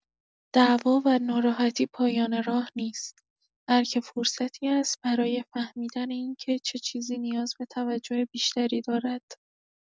دعوا و ناراحتی پایان راه نیست، بلکه فرصتی است برای فهمیدن این که چه چیزی نیاز به توجه بیشتری دارد.